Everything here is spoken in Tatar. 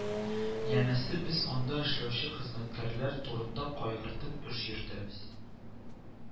Янәсе, без анда эшләүче хезмәткәрләр турында кайгыртып эш йөртәбез